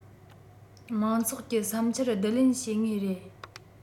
མང ཚོགས ཀྱི བསམ འཆར བསྡུ ལེན བྱེད ངེས རེད